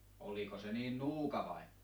oliko se niin nuuka vain